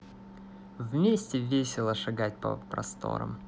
вместе весело шагать по просторам